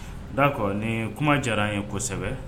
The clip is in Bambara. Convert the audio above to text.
' kɔ ni kuma diyara ye kosɛbɛ